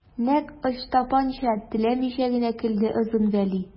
Нәкъ Ычтапанча теләмичә генә көлде Озын Вәли.